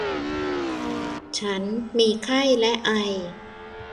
ฉันมีไข้และไอ